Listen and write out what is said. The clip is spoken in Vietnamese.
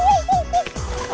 hú